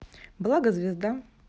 благо звезда